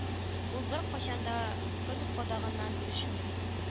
Ул беркайчан да көн кадагыннан төшми